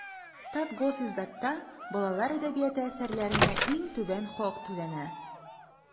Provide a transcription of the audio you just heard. Татгосиздатта балалар әдәбияты әсәрләренә иң түбән хак түләнә.